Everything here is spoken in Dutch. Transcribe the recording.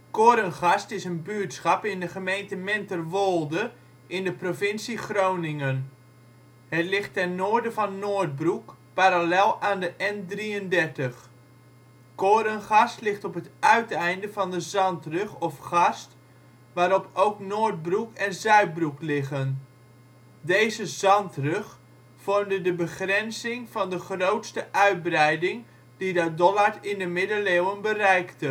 Korengarst is een buurtschap in de gemeente Menterwolde in de provincie Groningen. Het ligt ten noorden van Noordbroek, parallel aan de N33. Korengarst ligt op het uiteinde van de zandrug of Garst waarop ook Noordbroek en Zuidbroek liggen. Deze zandrug vormde de begrenzing van de grootste uitbreiding die de Dollard in de middeleeuwen bereikte